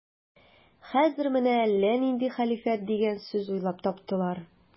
Хәзер менә әллә нинди хәлифәт дигән сүз уйлап таптылар.